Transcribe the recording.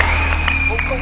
lê